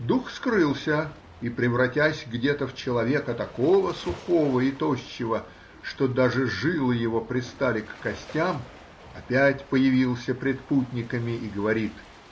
Дух скрылся и, превратясь где-то в человека, такого сухого и тощего, что даже жилы его пристали к костям, опять появился пред путниками и говорит